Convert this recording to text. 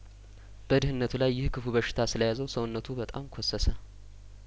በድህነቱ ላይ ይህ ክፉ በሽታ ስለያዘው ሰውነቱ በጣም ኰ ሰሰ